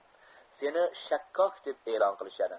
seni shakkok deb elon qilishadi